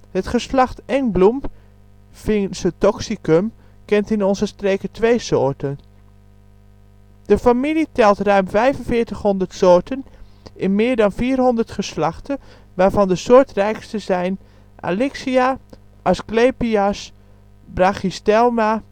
Het geslacht Engbloem (Vincetoxicum) kent in onze streken twee soorten. De familie telt ruim 4500 soorten in meer dan 400 geslachten, waarvan de soortrijkste zijn: Alyxia Asclepias Brachystelma